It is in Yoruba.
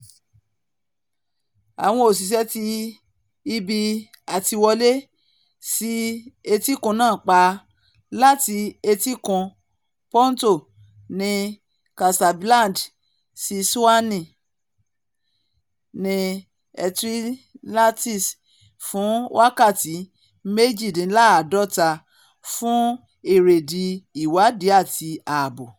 Àwọn òṣìṣẹ́ ti ibi àtiwọlé sí etíkun náà pa láti Etíkun Ponto ní Casablad sí Swami ní Ecinitas fún wákàtí méjìdínláàdọ́ta fún èrèdí ìwáàdí àti ààbó.